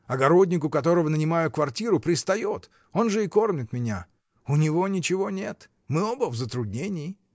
Огородник, у которого нанимаю квартиру, пристает: он же и кормит меня. У него ничего нет. Мы оба в затруднении.